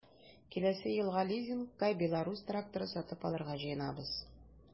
Киләсе елга лизингка “Беларусь” тракторы сатып алырга җыенабыз.